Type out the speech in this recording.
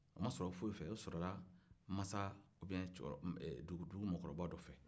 o ma sɔrɔ fɔsi fɛ o sɔrɔ la maasa u biyen dugu mɔgɔkɔrɔba dɔ fɛ